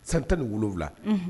San 17